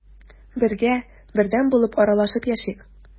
Бергә, бердәм булып аралашып яшик.